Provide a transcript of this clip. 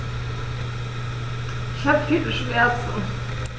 Ich habe viele Schmerzen.